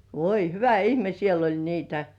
voi hyvä ihme siellä oli niitä